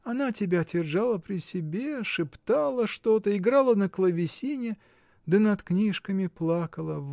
Она тебя держала при себе, шептала что-то, играла на клавесине да над книжками плакала.